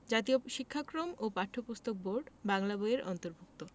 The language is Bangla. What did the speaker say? জাতীয় শিক্ষাক্রম ওপাঠ্যপুস্তক বোর্ড বাংলা বইয়ের অন্তর্ভুক্ত